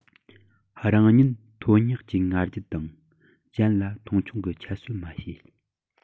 རང ཉིད མཐོ སྙེམས ཀྱི ང རྒྱལ དང གཞན ལ མཐོང ཆུང གི ཁྱད གསོད མ བྱེད